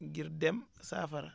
ngir dem saafara